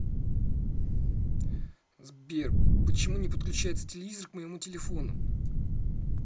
сбер почему не подключается телевизор к моему телефону